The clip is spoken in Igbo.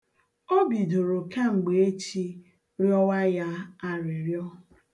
O bidoro kamgbe echi rịọwa ya arịrịọ.